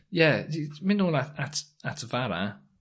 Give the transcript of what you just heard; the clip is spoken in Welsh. ie mynd nôl at at at y bara